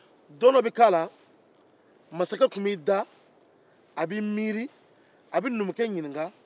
don dɔw masakɛ b'i miiri a bɛ numukɛ ɲininka